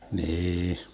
niin